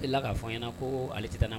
Ale k'a fɔ n ɲɛna ko ale tɛ